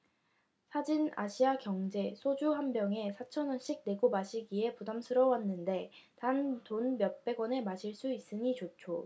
사진 아시아경제 소주 한 병에 사천 원씩 내고 마시기에 부담스러웠는데 단 돈 몇백 원에 마실 수 있으니 좋죠